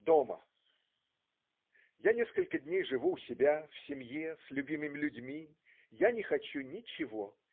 Дома Я несколько дней живу у себя, в семье, с любимыми людьми. Я не хочу ничего.